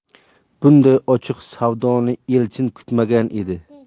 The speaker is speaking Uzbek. bunday ochiq savdoni elchin kutmagan edi